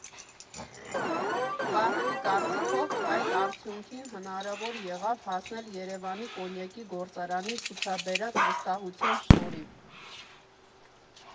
Վահանի կարծիքով՝ այդ արդյունքին հնարավոր եղավ հասնել Երևանի կոնյակի գործարանի ցուցաբերած վստահության շնորհիվ.